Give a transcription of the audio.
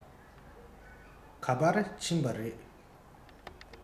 ག པར ཕྱིན པ རེད